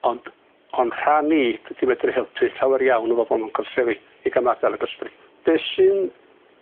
Ond o'n rhan i dwi 'di medru helpu llawer iawn o bobol mewn cwnseli i ga'l madal ag ysbryd. Be' sy'n